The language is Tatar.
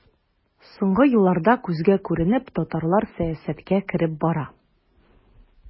Соңгы елларда күзгә күренеп татарлар сәясәткә кереп бара.